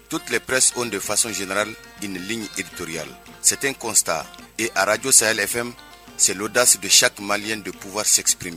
toues les presses ont de façon générales une ligne éditoriale c'est un constat et radio Sahel FM c'est l'audace de chaque malien de pouvoir s'exprimer